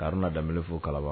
Karuna da fo kalaba